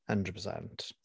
Hundred percent.